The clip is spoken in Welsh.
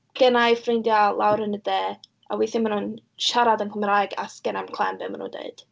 Genna i ffrindiau lawr yn y De, a weithiau maen nhw'n siarad yn Cymraeg a sgenna i'm clem be maen nhw'n deud.